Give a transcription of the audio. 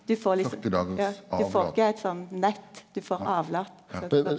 du får ja du får ikkje eit sånt nett du får avlat .